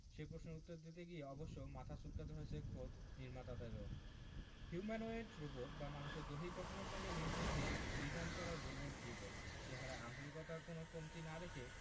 সে প্রশ্নের উত্তর দিতে গিয়ে অবশ্য মাথা চুলকাতে হয়েছে খোদ নির্মাতাদেরও হিউম্যানোয়েড রোবট বা মানুষের দৈহিক গঠনের সঙ্গে মিল রেখে ডিজাইন করা রোবট রিবো চেহারায় আন্তরিকতার কোনো কমতি না রেখে